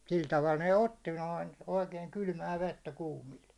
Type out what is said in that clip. sillä tavalla ne otti noin oikein kylmää vettä kuumilla